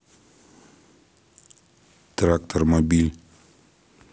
трактор мобиль